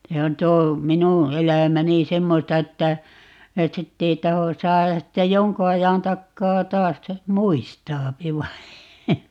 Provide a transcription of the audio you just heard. se on tuo minun elämäni semmoista että että sitten ei tahdo saada sitten jonkun ajan takaa taas sitten muistaa vain